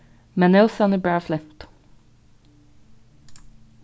men nósarnir bara flentu